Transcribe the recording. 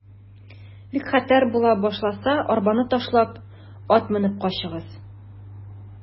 Бик хәтәр була башласа, арбаны ташлап, ат менеп качыгыз.